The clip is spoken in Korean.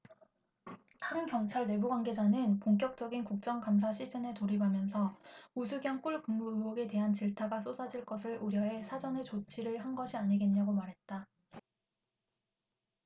한 경찰 내부관계자는 본격적인 국정감사 시즌에 돌입하면서 우수경 꿀근무 의혹에 대한 질타가 쏟아질 것을 우려해 사전에 조치를 한 것이 아니겠냐고 말했다